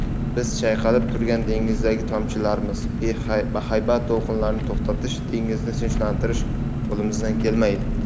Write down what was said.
biz chayqalib turgan dengizdagi tomchilarmiz bahaybat to'lqinlarni to'xtatish dengizni tinchlantirish qo'limizdan kelmaydi